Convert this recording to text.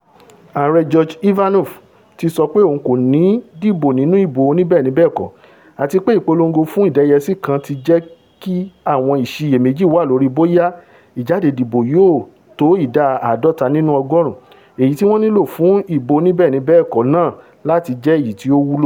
Ààrẹ Gjorge Ivanov ti sọ pé òun kòní dìbò nínú ìbò oníbẹ́ẹ̀ni-bẹ́ẹ̀kọ́ àtipé ìpolongo fún ìdẹ́yẹsí kan ti jẹ́kí àwọn ìṣiyèméjì wà lórí bóyá ìjádedìbò yóò tó ìdá àádọ́ta nínu ọgọ́ọ̀rún èyití wọ́n nílò fún ìbò oníbẹ́ẹ̀ni-bẹ́ẹ̀kọ́ náà láti jẹ́ èyití ó wúlò.